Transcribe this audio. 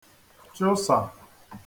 -chụsà